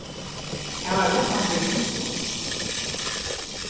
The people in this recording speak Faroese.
tað var uttanfyri posthúsið